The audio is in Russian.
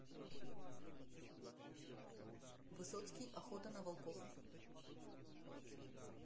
высоцкий охота на волков